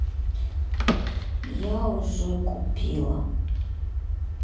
я уже купила